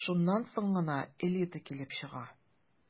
Шуннан соң гына «элита» килеп чыга...